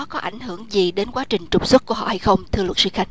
có ảnh hưởng gì đến quá trình trục xuất của họ hay không thưa luật sư khánh